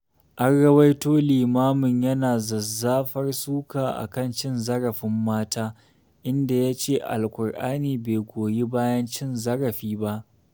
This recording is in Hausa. An rawaito limamin yana zazzafar suka a kan cin zarafin mata, inda ya ce Alkur'ani bai goyi bayan cin zarafi ba